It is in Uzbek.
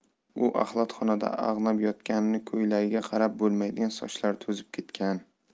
u axlatxonada ag'anab yotganmi ko'ylagiga qarab bo'lmaydi sochlari to'zib ketgan